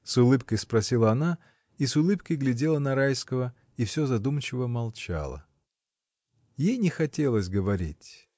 — с улыбкой спросила она и с улыбкой глядела на Райского и всё задумчиво молчала. Ей не хотелось говорить.